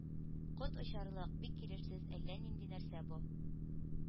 Кот очарлык, бик килешсез, әллә нинди нәрсә бу!